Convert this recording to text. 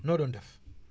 noo doon def